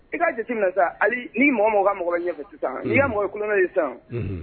I ka jate minɛ sa, hali ni mɔgɔ o mɔgɔ ka mɔgɔ ɲɛ fɛ sisan, unhun,